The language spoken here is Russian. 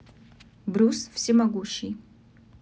брюс всемогущий